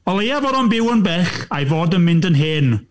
O leia fod o'n byw yn bell, a'i fod o'n mynd yn hen.